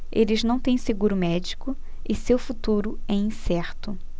eles não têm seguro médico e seu futuro é incerto